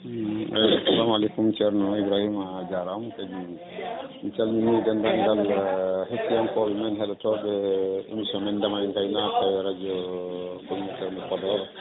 eyyi assalamu aleykum ceerno Ibrahima a jarama kadi min calmini dendagal hettiyankoɓe men heɗotoɓe émission men ndeema e gaynaka radio communautaire mo Podor